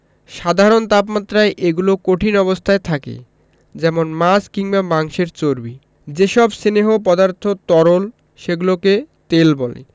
সাধারণ তাপমাত্রায় এগুলো কঠিন অবস্থায় থাকে যেমন মাছ কিংবা মাংসের চর্বি যেসব স্নেহ পদার্থ তরল সেগুলোকে তেল বলে